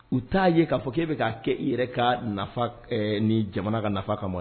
U t'a ye k'a fɔ k'e bɛ k'a kɛ i yɛrɛ ka nin jamana ka nafa kama ma